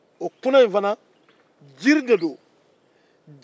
o kunan fana ye jiri ye